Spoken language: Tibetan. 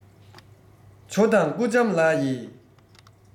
ཇོ དང སྐུ ལྕམ ལགས ཡེ